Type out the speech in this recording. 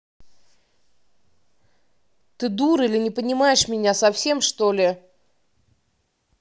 ты дура или не понимаешь меня совсем что ли